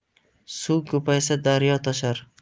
suv ko'paysa daryo toshar